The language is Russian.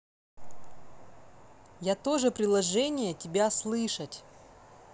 я тоже приложение тебя слышать